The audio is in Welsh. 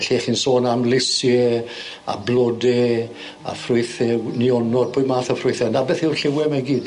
Felly chi'n sôn am lysie a blode a ffrwythe w- nionod. Pwy math o ffrwythe? 'Na beth yw'r lliwie 'ma i gyd.